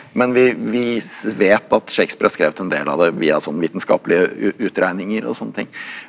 men vi vi vet at Shakespeare har skrevet en del av det via sånn vitenskapelige utregninger og sånne ting.